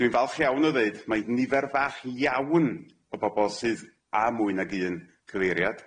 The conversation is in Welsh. Dwi'n falch iawn o ddeud mae nifer fach iawn o bobol sydd a mwy nag un cyfeiriad.